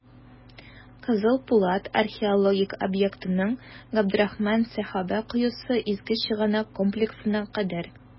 «кызыл пулат» археологик объектыннан "габдрахман сәхабә коесы" изге чыганак комплексына кадәр.